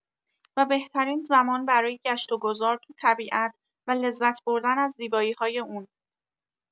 و بهترین زمان برای گشت و گذار تو طبیعت و لذت‌بردن از زیبایی‌های اون.